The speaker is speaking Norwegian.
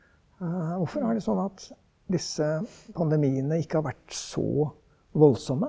hvorfor er det sånn at disse pandemiene ikke har vært så voldsomme?